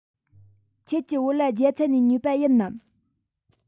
ཁྱེད ཀྱི བོད ལྭ རྒྱ ཚ ནས ཉོས པ ཡིན ནམ